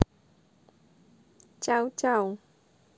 чаучау